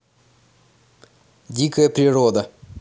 дикая природа